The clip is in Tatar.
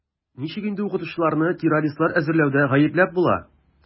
Ничек инде укытучыларны террористлар әзерләүдә гаепләп була?